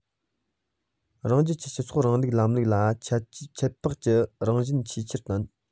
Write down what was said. རང རྒྱལ གྱི སྤྱི ཚོགས རིང ལུགས ལམ ལུགས ལ ཁྱད འཕགས ཀྱི རང བཞིན ཆེས ཆེར ལྡན